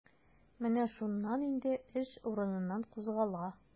Менә шуннан инде эш урыныннан кузгала.